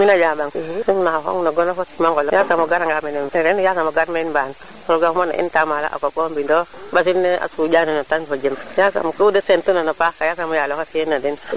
mina jaɓaŋsim na xoŋ no gonof fono sima ngolof yasam o gara nga mene fene yasam o gar meen mbaan roga xuma na in taamala a koɓ fo mbino ɓasil ne a suƴa nen o tan fojem yasam kude seentu na no paax ka yasam o yaaloxe fiyan na den